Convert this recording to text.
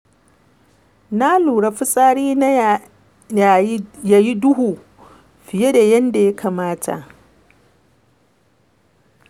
na lura fitsari na yayi duhu fiye da yanda yakamata.